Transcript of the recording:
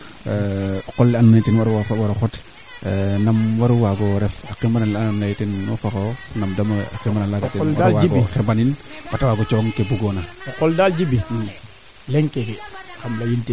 \kaa xaand bata xup ndaa o buga nga ko te jirñong o reta nga koy bo ndiing ne bo me waroona duuf ko waand nana akayit o godin took njeenj na waago taper directement no laŋ ke naaga o fiya ngaan ku duufoona maaga xana faax